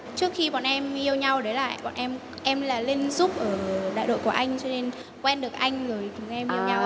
trước khi bọn em yêu nhau đấy là bọn em em là lên giúp ở đại đội của anh cho nên quen được anh rồi chúng em yêu nhau ạ